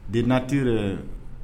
Deninatɛ